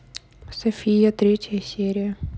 софия третья серия